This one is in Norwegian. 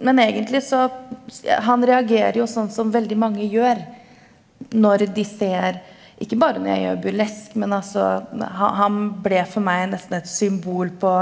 men egentlig så han reagerer jo sånn som veldig mange gjør når de ser ikke bare når jeg gjør burlesk men altså han han ble for meg nesten et symbol på